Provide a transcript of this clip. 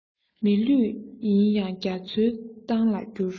མི ལུས ཡིན ཡང རྒྱ མཚོའི གཏིང ལ བསྐྱུར